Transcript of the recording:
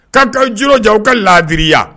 K' ka ji jan u ka laadiya